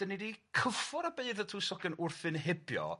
'Dan ni 'di cyffwrdd beirdd y tywysogion wrth fynd hebio... Ia.